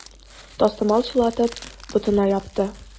Тастымал чылатып, ботына япты.